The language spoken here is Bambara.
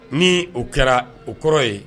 Ni o kɛra, o kɔrɔ ye